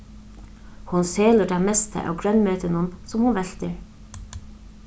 hon selur tað mesta av grønmetinum sum hon veltir